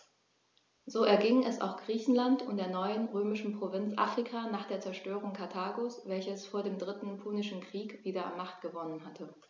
So erging es auch Griechenland und der neuen römischen Provinz Afrika nach der Zerstörung Karthagos, welches vor dem Dritten Punischen Krieg wieder an Macht gewonnen hatte.